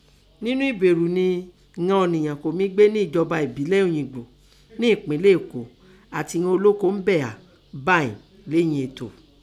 Ńnú ẹ̀bẹ̀rù nẹ ìghan ọ̀nìyàn kọ́ mí gbé nẹ́ ẹ̀jọ̀ba èbílẹ̀ Òyìngbò nẹ́ ẹ̀pínlẹ̀ Èkó àtin ìghan olókòò ńbẹ̀ hà báìnín léèyìn ètò.